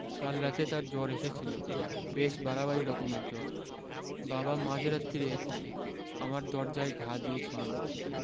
কাল রাতে তার জ্বর এসেছিল বেশ বাড়াবাড়ি রকমের জ্বর বাবা মাঝ রাত্তিরে আমার দরজায় ঘা দিয়েছিলেন